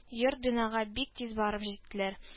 Йорт-бинага бик тиз барып җиттеләр